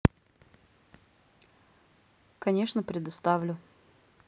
конечно предоставлю